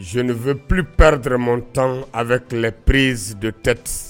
Je ne veux plus perdre mon temps avec les prises de tête.